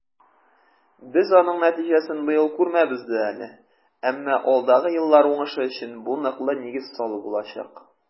Без аның нәтиҗәсен быел күрмәбез дә әле, әмма алдагы еллар уңышы өчен бу ныклы нигез салу булачак.